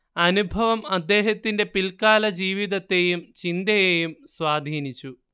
അനുഭവം അദ്ദേഹത്തിന്റെ പിൽക്കാലജീവിതത്തേയും ചിന്തയേയും സ്വാധീനിച്ചു